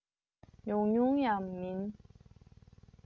ཉུང ཉུང ཡང མིན